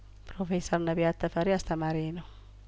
ፕሮፌሰር ነቢያት ተፈሪ አስተማሪዬ ነው